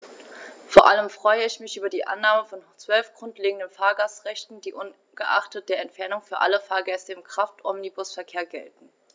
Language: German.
Vor allem freue ich mich über die Annahme von 12 grundlegenden Fahrgastrechten, die ungeachtet der Entfernung für alle Fahrgäste im Kraftomnibusverkehr gelten.